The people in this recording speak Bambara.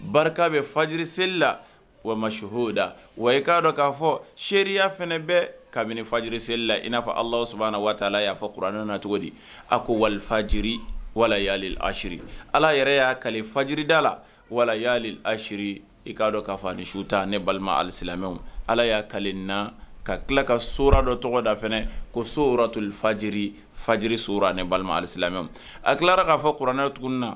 Barika bɛ faji seli la walima ma suhoda wa i k kaadɔ k'a fɔ seya fana bɛ ka faji seli la i n'a ala sabanan waatila y'a fɔ kuranin na cogo di a ko waliji waliya ase ala yɛrɛ y'a kale faji dala la wali ase i kaadɔ'a ni su tan ne balima alisilamɛ ala y'a kaina ka tila ka sora dɔ tɔgɔda fana ko sora toli faji faji so ani ne balima alisimɛ a tilara k'a fɔ kɛ tuguni na